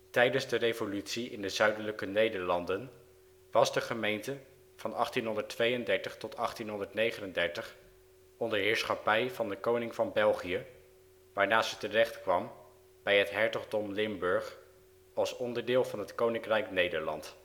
Tijdens de revolutie in de Zuidelijke Nederlanden was de gemeente van 1832 tot 1839 onder heerschappij van de koning van België, waarna ze terechtkwam bij het Hertogdom Limburg, als onderdeel van het koninkrijk Nederland